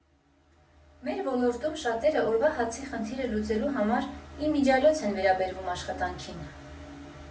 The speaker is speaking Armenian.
Մեր ոլորտում շատերը օրվա հացի խնդիրը լուծելու համար իմիջիայլոց են վերաբերվում աշխատանքին։